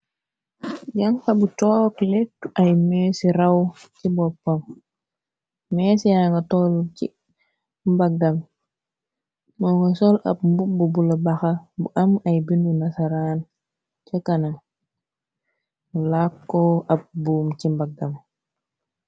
Janxa bu cook lettu ay meesi raw ci boppa, meesia nga toll ci mbaggam moo nga sol ab mbubb bu la baxa bu am ay bindu nasaraan ca kana làkko ab buum ci mbaggam.